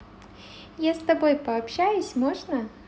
я с тобой общаюсь можно